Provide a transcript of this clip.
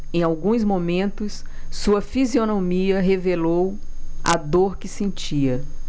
em alguns momentos sua fisionomia revelou a dor que sentia